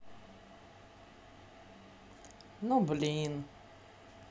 ну блин